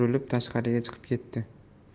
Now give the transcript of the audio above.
burilib tashqariga chiqib ketdi